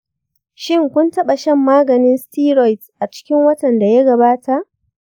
shin kun taɓa shan maganin steroids a cikin watan da ya gabata?